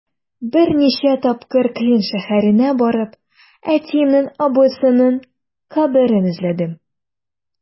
Берничә тапкыр Клин шәһәренә барып, әтиемнең абыйсының каберен эзләдем.